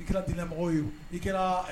I kɛra diinɛ mɔgɔw ye i kɛra